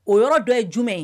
O yɔrɔ dɔ ye jumɛn ye?